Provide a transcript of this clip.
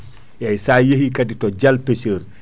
eyyi sa yeehi kadi to Dial Pécheur